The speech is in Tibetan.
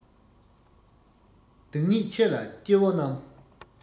བདག ཉིད ཆེ ལ སྐྱེ བོ རྣམས